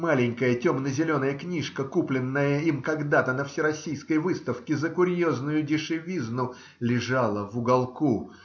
Маленькая темно-зеленая книжка, купленная им когда-то на всероссийской выставке за курьезную дешевизну, лежала в уголку.